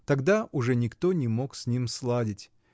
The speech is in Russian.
тогда уже никто не мог с ним сладить.